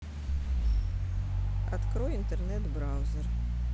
открой интернет браузер